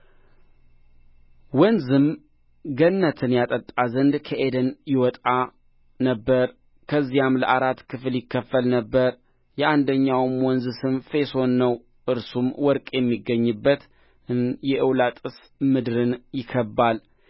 ወንዝም ገነትን ያጠጣ ዘንድ ከዔድን ይወጣ ነበር ከዚያም ለአራት ክፍል ይከፈል ነበር የአንደኛው ወንዝ ስም ፊሶን ነው እርሱም ወርቅ የሚገኝበትን የኤውላጥ ምድርን ይከብባል